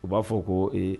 U ba fɔ ko ee